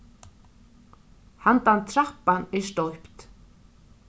handan trappan er stoypt